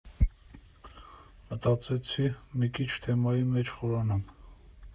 Մտածեցի՝ մի քիչ թեմայի մեջ խորանամ։